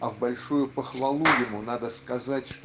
а в большую похвалу ему надо сказать